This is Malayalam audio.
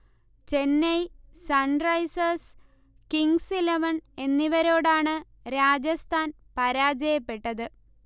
ചെന്നൈ, സൺറൈസേഴ്സ്, കിങ്സ് ഇലവൻ എന്നിവരോടാണ് രാജസ്ഥാൻ പരാജയപ്പെട്ടത്